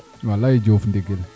walay Diouf ndigil